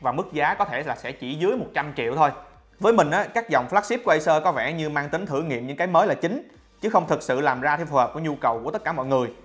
mà mức giá có thể sẽ chỉ tầm dưới triệu với mình các dòng flagship của acer có vẻ như mang tính thử nghiệm những cái mới là chính chứ ko thực sự làm ra để phù hợp với nhu cầu của tất cả mọi người